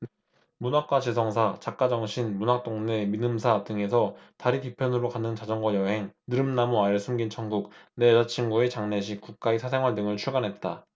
문학과 지성사 작가정신 문학동네 민음사 등에서 달의 뒤편으로 가는 자전거 여행 느릅나무 아래 숨긴 천국 내 여자친구의 장례식 국가의 사생활 등을 출간했다